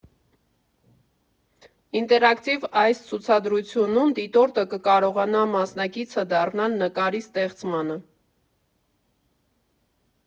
Ինտերակտիվ այս ցուցադրությունում դիտորդը կկարողանա մասնակիցը դառնալ նկարի ստեղծմանը։